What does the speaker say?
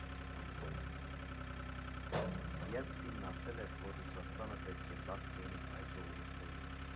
Ելցինն ասել է, որ Ռուսաստանը պետք է բաց թողնի այլ ժողովուրդներին։